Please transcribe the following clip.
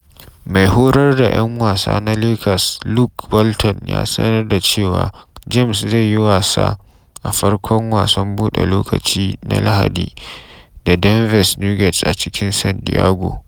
Mai horar da ‘yan wasa na Lakers Luke Walton ya sanar da cewa James zai yi wasa a farkon wasan bude lokaci na Lahdi da Denver Nuggets a cikin San Diego.